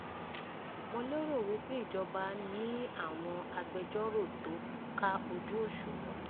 Mo lérò wípé ìjọba ní àwọn agbẹjọ́rò tó ká ojú òṣùwọ̀n.